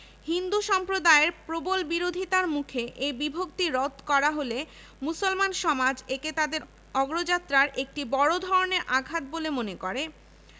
১৮৮২ সালের Hunter commission ১৯১২ সালের Nathan committee ১৯১৩ সালের হর্নেল কমিটি এবং ১৯১৭ সালের কলকাতা বিশ্ববিদ্যালয় কমিশন